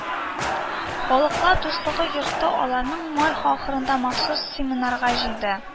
Халыклар дуслыгы йорты аларны май ахырында махсус семинарга җыйды